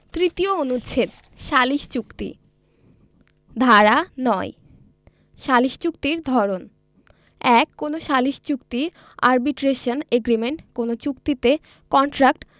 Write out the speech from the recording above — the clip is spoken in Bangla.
তৃতীয় অনুচ্ছেদ সালিস চুক্তি ধারা ৯ সালিস চুক্তির ধরণ ১ কোন সালিস চুক্তি আরবিট্রেশন এগ্রিমেন্ট কোন চুক্তিতে কন্ট্রাক্ট